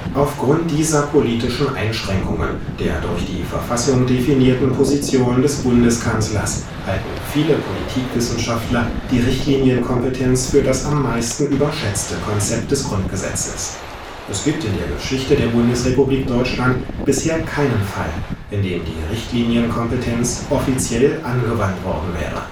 Aufgrund dieser politischen Einschränkungen der durch die Verfassung definierten Position des Bundeskanzlers halten viele Politikwissenschaftler die Richtlinienkompetenz für das am meisten überschätzte Konzept des Grundgesetzes. Es gibt in der Geschichte der Bundesrepublik Deutschland bisher keinen Fall, in dem die Richtlinienkompetenz offiziell angewandt worden wäre